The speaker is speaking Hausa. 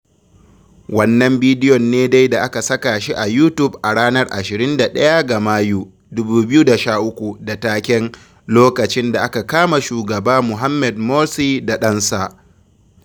Wannan bidiyon ne dai aka saka shi a YouTube a ranar 21 ga Mayu, 2013, da taken “Lokacin da aka kama Shugaba Mohamed Morsi da ɗansa.”